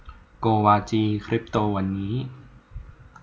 โกวาจีคริปโตวันนี้